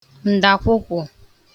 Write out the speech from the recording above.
ǹdàkwụkwụ̀